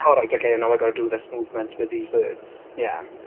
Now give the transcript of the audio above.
Oh right ok. I know I've got to do this movement with these words, yeah.